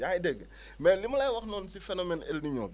yaa ngi dégg mais li ma lay wax noonu si phénomène Elninio bi